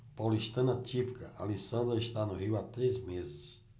paulistana típica alessandra está no rio há três meses